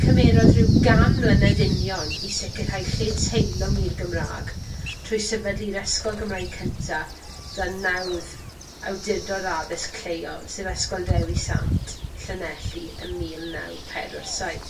Cymerodd rhyw gan mlynedd union i sicirhau lle teilwng i'r Gymra'g trwy sefydlu'r Ysgol Gymraeg cynta dan nawdd Awdurdod Addysg Lleol, sef Ysgol Dewi Sant, Llanelli ym mil naw pedwar saith.